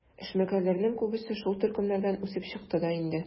Эшмәкәрләрнең күбесе шул төркемнәрдән үсеп чыкты да инде.